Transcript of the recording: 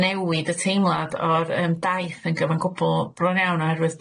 newid y teimlad o'r yym daith yn gyfan gwbwl bron iawn oherwydd